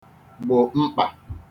gbo mkpà